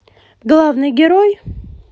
главный герой